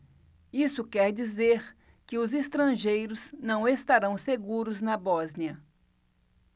isso quer dizer que os estrangeiros não estarão seguros na bósnia